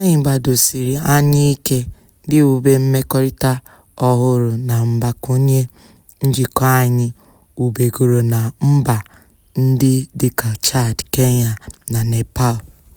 Anyị gbadosiri anya ike n'iwube mmekọrịta ọhụrụ na Mgbakwunye njikọ anyị wubegoro na mba ndị dịka Chad, Kenya na Nepal.